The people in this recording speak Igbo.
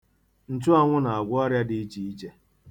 Nchuanwụ na-agwọ ọrịa dị iche iche.